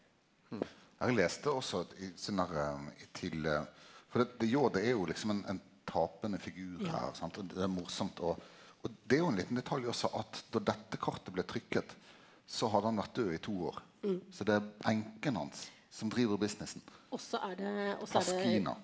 eg las også at sånn derre til fordi at de Jode er jo liksom ein ein tapande figur her sant, og det er morosamt og og det er jo ein liten detalj også at då dette kartet blei trykt så hadde han vore død i to år, så det er enka hans som driv businessen Pascina.